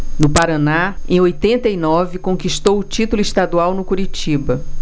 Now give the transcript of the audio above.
no paraná em oitenta e nove conquistou o título estadual no curitiba